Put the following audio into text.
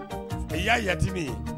A y'a yadimi ye